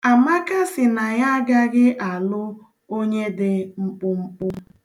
Amaka sị na ya agaghị alụ onye dị mkpụmkpụ.